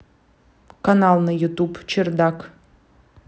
канал на ютуб чердак